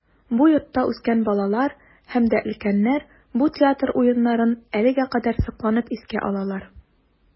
Бу йортта үскән балалар һәм дә өлкәннәр бу театр уеннарын әлегә кадәр сокланып искә алалар.